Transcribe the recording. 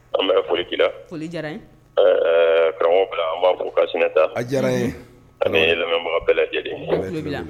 An bɛ foli k'i la ɛɛ karamɔgɔ bila an b'a fɔ kasta diyara ye an lamɛnbaga bɛɛ lajɛlen